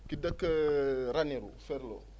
ki dëkk Ranerou Ferlo